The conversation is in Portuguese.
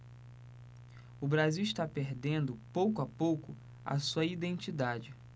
o brasil está perdendo pouco a pouco a sua identidade